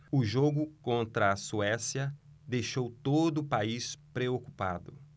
o jogo contra a suécia deixou todo o país preocupado